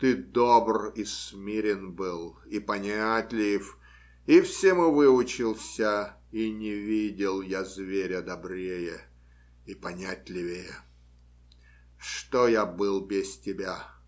Ты добр и смирен был, и понятлив, и всему выучился, и не видел я зверя добрее и понятливее. Что я был без тебя?